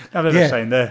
Dyna fyse hi, ynde?